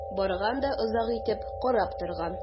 Барган да озак итеп карап торган.